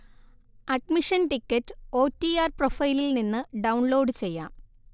admission ticket O T R പ്രൊഫൈലിൽനിന്ന് download ചെയ്യാം